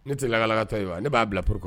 Ne tɛ lakalala ka to ye wa ne b' bila puru